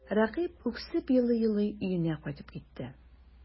Рәкыйп үксеп елый-елый өенә кайтып китте.